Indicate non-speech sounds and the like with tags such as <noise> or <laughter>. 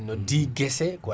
<clears throat> noddi guesse